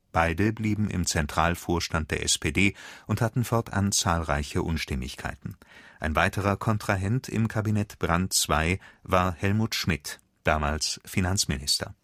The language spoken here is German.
Beide blieben im Zentralvorstand der SPD und hatten fortan zahlreiche Unstimmigkeiten. Ein weiterer Kontrahent im Kabinett Brandt II war Helmut Schmidt, damals Finanzminister